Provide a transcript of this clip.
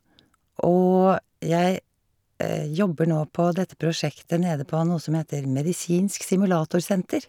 Og jeg jobber nå på dette prosjektet nede på noe som heter Medisinsk SimulatorSenter.